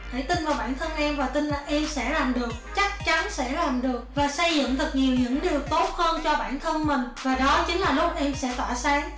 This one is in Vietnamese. hãy tin vào bản thân em và tin là em sẽ làm được chắc chắn sẽ làm được và xây dựng thật nhiều những điều tốt hơn cho bản thân mình và đó chính là lúc em sẽ tỏa sáng